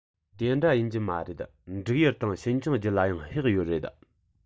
དེ འདྲ ཡིན གྱི མ རེད འབྲུག ཡུལ དང ཤིན ཅང རྒྱུད ལ ཡང གཡག ཡོད རེད